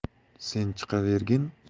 sen chiqavergin